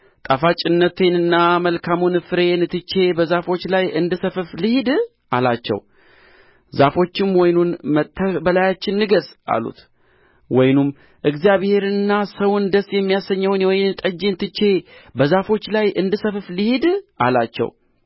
ጣፋጭነቴንና መልካሙን ፍሬዬን ትቼ በዛፎች ላይ እንድሰፍፍ ልሂድ አላቸው ዛፎችም ውይኑን መጥተህ በላያችን ንገሥ አሉት ወይኑም እግዚአብሔርንና ሰውን ደስ የሚያሰኘውን የወይን ጠጄን ትቼ